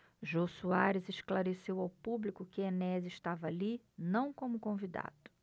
jô soares esclareceu ao público que enéas estava ali não como convidado